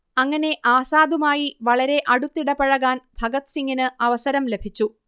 അങ്ങനെ ആസാദുമായി വളരെ അടുത്തിടപഴകാൻ ഭഗത് സിംഗിന് അവസരം ലഭിച്ചു